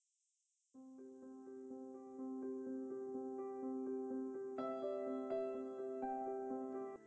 music